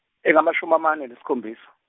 engamashumi amane nesikhombisa.